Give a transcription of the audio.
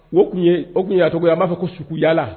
O tun o tun y'a cogo ye, an b'a fɔ ko sukoyala